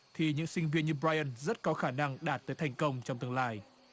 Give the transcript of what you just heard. thì những sinh viên như bai ừn rất có khả năng đạt tới thành công trong tương lai